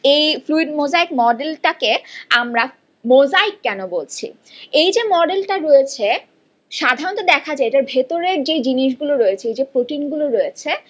এ fluid mosaic model টাকে আমরা mosaic কেন বলছি এই যে মডেলটা রয়েছে সাধারণত দেখা যায় যে এর ভেতরের যে জিনিস গুলো রয়েছে যে প্রোটিন গুলো রয়েছে